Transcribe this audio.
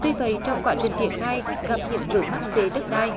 tuy vậy trong quá trình triển khai gặp nhiều vướng mắc về đất đai